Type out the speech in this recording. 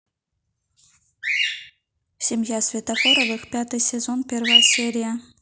семья светофоровых пятый сезон первая серия